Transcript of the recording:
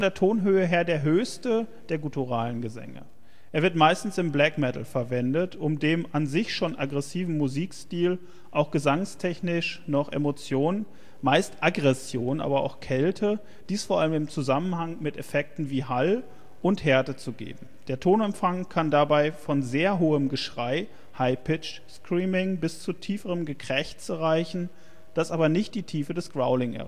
Tonhöhe her der höchste der gutturalen Gesänge. Es wird meistens im Black Metal verwendet, um dem an sich schon aggressiven Musikstil auch gesangstechnisch noch Emotion (meist Aggression, aber auch Kälte - dies vor allem im Zusammenhang mit Effekten wie Hall) und Härte zu geben. Der Tonumfang kann dabei von sehr hohem Geschrei (high-pitched screaming) bis zu tieferem Gekrächze reichen, das aber nicht die Tiefe des Growling